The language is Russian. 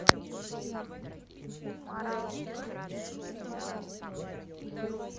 марал турецкий сериал